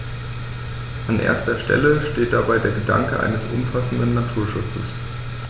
An erster Stelle steht dabei der Gedanke eines umfassenden Naturschutzes.